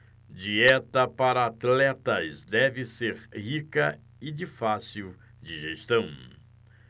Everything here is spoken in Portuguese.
dieta para atletas deve ser rica e de fácil digestão